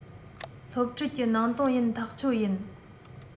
སློབ ཁྲིད ཀྱི ནང དོན ཡིན ཐག ཆོད ཡིན